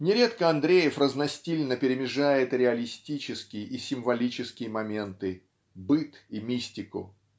Нередко Андреев разностильно перемежает реалистический и символический моменты быт и мистику.